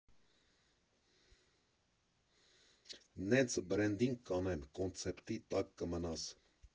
Նենց բրենդինգ կանեմ, կոնցեպտի տակ կմնաս։